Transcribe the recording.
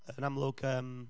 Yn amlwg yym...